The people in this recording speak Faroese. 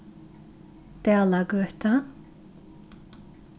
dalagøta